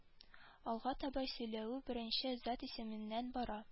Алга таба сөйләү беренче зат исеменнән бара